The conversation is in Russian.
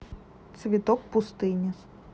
цветок пустыни